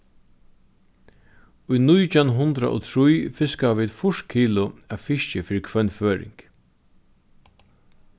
í nítjan hundrað og trý fiskaðu vit fýrs kilo av fiski fyri hvønn føroying